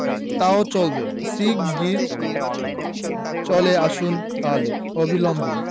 তাও চলবে শিগগির চলে আসুন তাহলে অবিলম্বে